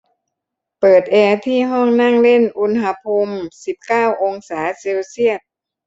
เปิดแอร์ที่ห้องนั่งเล่นอุณหภูมิสิบเก้าองศาเซลเซียส